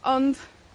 Ond,